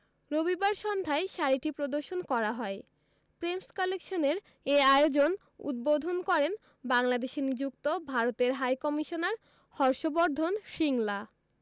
রবিবার সন্ধ্যায় শাড়িটি প্রদর্শন করা হয় প্রেমস কালেকশনের এ আয়োজন উদ্বোধন করেন বাংলাদেশে নিযুক্ত ভারতের হাইকমিশনার হর্ষ বর্ধন শ্রিংলা